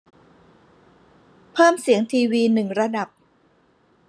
เพิ่มเสียงทีวีหนึ่งระดับ